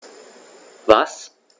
Was?